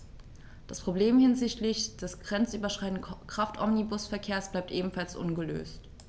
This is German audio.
Das Problem hinsichtlich des grenzüberschreitenden Kraftomnibusverkehrs bleibt ebenfalls ungelöst.